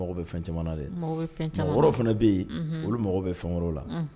N mago bɛ fɛn caman dɛ, i mago bɛ fɛn caman na fana, mɔgɔ wɛrɛw fɛna yen, unhun, olu mago bɛ fɛn wɛrɛ la